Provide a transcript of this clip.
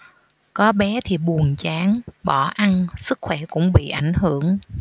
có bé thì buồn chán bỏ ăn sức khỏe cũng bị ảnh hưởng